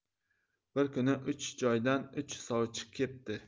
bir kuni uch joydan uch sovchi kepti